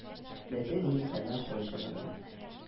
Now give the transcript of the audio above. Ләсә нинди хәлдән коры чыга белә. —